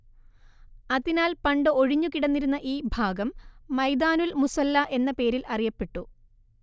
അതിനാൽ പണ്ടു ഒഴിഞ്ഞുകിടന്നിരുന്ന ഈ ഭാഗം മൈദാനുൽ മുസ്വല്ല എന്ന പേരിൽ അറിയപ്പെട്ടു